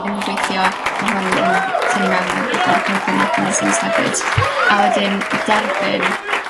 ddim yn gweithio, ma' hwn yn tynnu mewn ar fatha coping mechanisms hefyd. a wedyn derbyn.